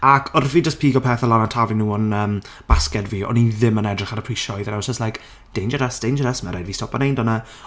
Ac, wrth i fi just pigo pethau lan a taflu nhw yn yym basged fi, o'n i ddim yn edrych ar y prisoedd and I was just like, dangerous, dangerous, ma' raid fi stopio wneud hwnna!